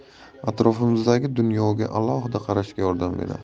atrofimizdagi dunyoga alohida qarashga yordam beradi